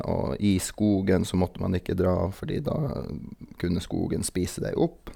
Og i skogen så måtte man ikke dra, fordi da kunne skogen spise deg opp.